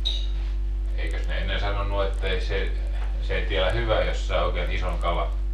eikös ne ennen sanonut että ei se se ei tiedä hyvää jos saa oikein ison kalan